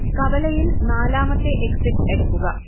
കവലയിൽ നാലാമത്തെ എക്സിറ്റ് എടുക്കുക